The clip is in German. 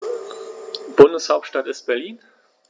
Bundeshauptstadt ist Berlin.